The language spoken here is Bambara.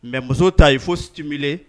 Mais muso ta il faut stimuler